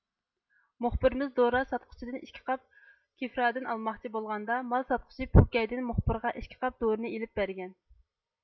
مۇخبىرىمىز دورا ساتقۇچىدىن ئىككى قاپ كېفرادىن ئالماقچى بولغاندا مال ساتقۇچى پوكەيدىن مۇخبىرغا ئىككى قاپ دورىنى ئېلىپ بەرگەن